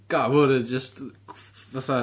God ma' hwnna jyst fatha...